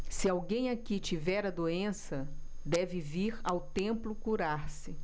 se alguém aqui tiver a doença deve vir ao templo curar-se